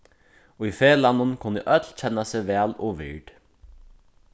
í felagnum kunnu øll kenna seg væl og vird